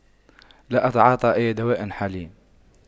لا أتعاطى أي دواء حاليا